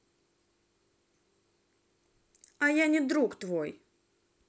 а я не друг твой